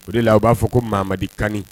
O la u b'a fɔ ko mamadikan